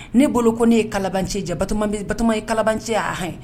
Ne bolo ko ne ye kalabanci ye ja Batɔma bɛ, Batɔma ye kalabanci ya ɛnhɛn